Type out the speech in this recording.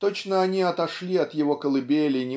точно они отошли от его колыбели